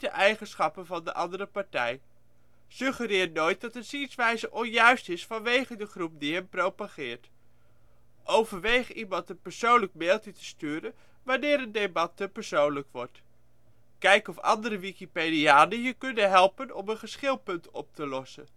eigenschappen van de ' andere partij '. Suggereer nooit dat een zienswijze onjuist is vanwege de groep die hem propageert. Overweeg iemand een persoonlijk mailtje te sturen wanneer een debat te persoonlijk wordt. Kijk of andere wikipedianen je kunnen helpen om een geschilpunt op te lossen